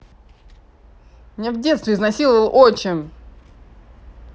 меня в детстве изнасиловал отчим